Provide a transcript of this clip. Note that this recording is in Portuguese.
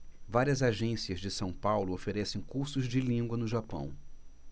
várias agências de são paulo oferecem cursos de língua no japão